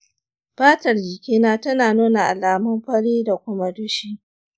fatar jikina tana nuna alamun fari da kuma dushi.